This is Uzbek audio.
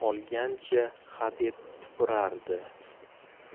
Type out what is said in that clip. olgancha hadeb tupurardi